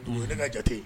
Dugu ka jate